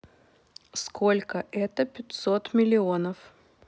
сколько это пятьсот миллионов